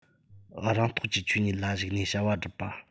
རང རྟོགས ཀྱིས ཆོས ཉིད ལ གཞིགས ནས བྱ བ སྒྲུབ པ